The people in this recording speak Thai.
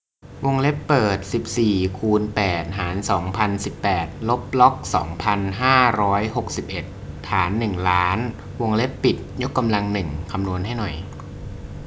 วงเล็บเปิดสิบสี่คูณแปดหารสองพันสิบแปดลบล็อกสองพันห้าร้อยหกสิบเอ็ดฐานหนึ่งล้านวงเล็บปิดยกกำลังหนึ่งคำนวณให้หน่อย